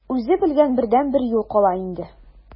Үзе белгән бердәнбер юл кала инде.